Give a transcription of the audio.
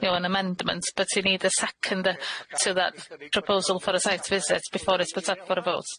you know an amendment but you need a seconder to that proposal for a site visit before it's put up for a vote.